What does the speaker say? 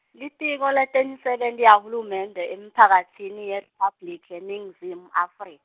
Litiko letemisebenti yahulumende emiphakatsini ye -phabliki yeNingizimu Afri-.